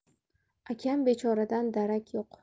akam bechoradan darak yo'q